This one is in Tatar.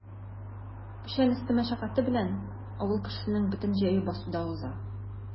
Печән өсте мәшәкате белән авыл кешесенең бөтен җәе басуда уза.